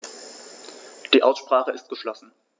Die Aussprache ist geschlossen.